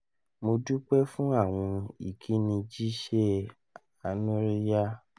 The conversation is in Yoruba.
Mo dupẹ fun awọn ikini jiṣe anoriya!”